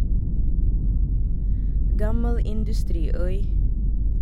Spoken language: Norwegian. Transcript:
Gammel industriøy.